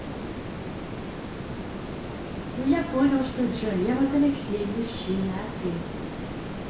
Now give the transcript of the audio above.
ну я понял что джой я вот алексей мужчина а ты